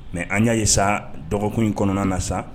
Mɛ an y'a ye sa, dɔgɔkun in kɔnɔna na sa